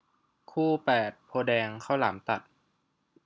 คู่แปดโพธิ์แดงข้าวหลามตัด